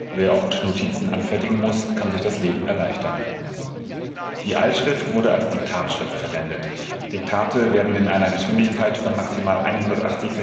Wer oft Notizen anfertigen muss, kann sich das Leben erleichtern. Die Eilschrift wurde als Diktatschrift verwendet. Diktate werden in einer Geschwindigkeit von maximal 180